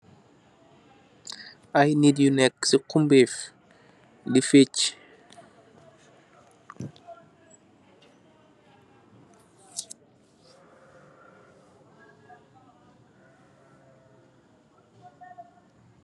Ay nit yu neka si xomfeef di feeci